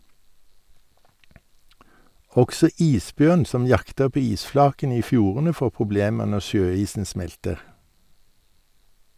Også isbjørn som jakter på isflakene i fjordene får problemer når sjøisen smelter.